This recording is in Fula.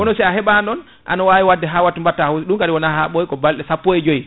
kono si a heɓani ɗon ana wadde ha batta hunde ɗum kadi wona ha ɓoya koye balɗe sappo e joyyi